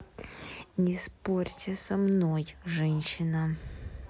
не спорьте со мной женщина